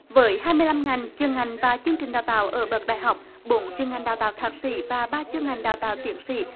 với hai mươi lăm ngành chuyên ngành và chương trình đào tạo ở bậc đại học bốn chuyên ngành đào tạo thạc sĩ và ba chuyên ngành đào tạo tiến sĩ